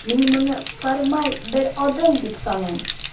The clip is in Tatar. Мин моны формаль бер адым дип саныйм.